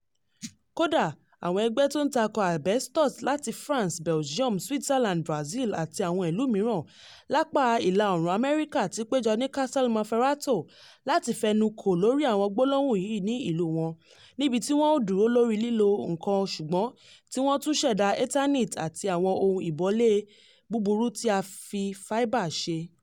Kódà, àwọn ẹgbẹ́ tó ń takò asbestos láti France, Belgium, Switzerland, Brazil àti àwọn ìlú míràn lápa Ìlà-Oòrùn Amẹ́ríkà ti péjọ ní Casale Monferrato láti fẹnukò lórí àwọn gbólóhùn yìí ní ìlú wọn, níbi tí wọ́n ò dúró lórí lílo nìkan ṣùgbọ́n tí wọ́n tún ń ṣẹ̀da Eternit àti àwọn ohun ìbolé búburú tí a fi fáíbà ṣe.